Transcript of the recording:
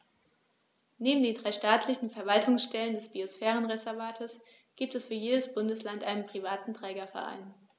Neben den drei staatlichen Verwaltungsstellen des Biosphärenreservates gibt es für jedes Bundesland einen privaten Trägerverein.